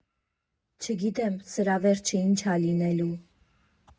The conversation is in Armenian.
Չգիտեմ սրա վերջը ինչ ա լինելու։